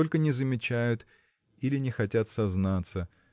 только не замечают или не хотят сознаться